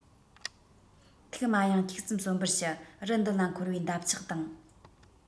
ཐུགས མ གཡེང ཁྱུག ཙམ གསོན པར ཞུ རི འདི ལ འཁོར བའི འདབ ཆགས དང